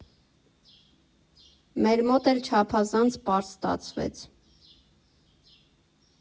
ՄԵզ մոտ էլ չափազանց պարզ ստացվեց։